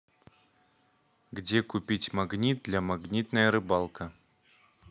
где купить магнит для магнитная рыбалка